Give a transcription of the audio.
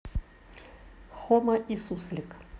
хома и суслик